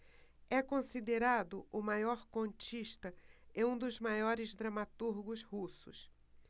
é considerado o maior contista e um dos maiores dramaturgos russos